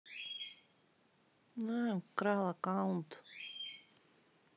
украл аккаунт